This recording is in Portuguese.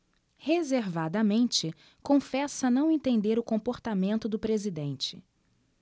reservadamente confessa não entender o comportamento do presidente